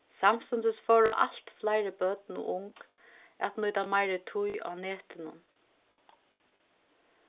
samstundis fóru alt fleiri børn og ung at nýta meiri tíð á netinum